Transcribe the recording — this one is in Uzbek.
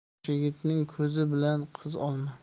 yosh yigitning ko'zi bilan qiz olma